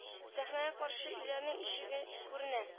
Сәхнәгә каршы өйләрнең ишеге күренә